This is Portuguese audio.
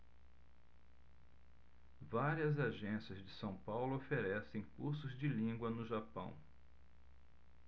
várias agências de são paulo oferecem cursos de língua no japão